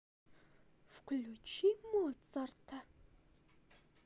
включи моцарта